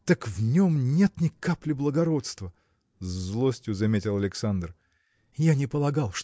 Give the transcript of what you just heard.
так в нем нет ни капли благородства! – с злостью заметил Александр – я не полагал